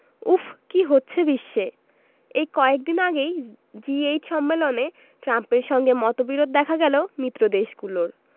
উফ্ কী হচ্ছে বিশ্বে এই কয়েক দিন আগেই জি এইট সম্মেলনে ট্রাম্পের সঙ্গে মতবিরোধ দেখা গেল মিত্রদেশগুলোর